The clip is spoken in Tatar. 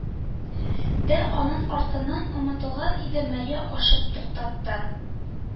Дә аның артыннан омтылган иде, майя шып туктатты: